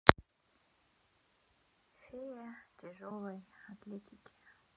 фея тяжелой атлетики